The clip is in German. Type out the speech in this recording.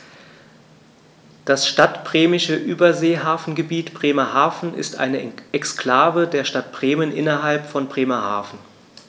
Das Stadtbremische Überseehafengebiet Bremerhaven ist eine Exklave der Stadt Bremen innerhalb von Bremerhaven.